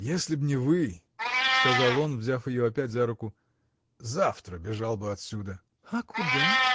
— Если б не вы, — сказал он, взяв ее опять за руку, — завтра бежал бы отсюда. — А куда?